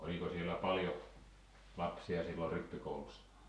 oliko siellä paljon lapsia silloin rippikoulussa